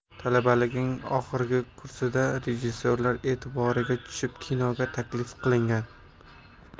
talabaligining oxirgi kursida rejissorlar e'tiboriga tushib kinoga taklif qilingan